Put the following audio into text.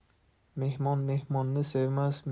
mehmon mehmonni sevmas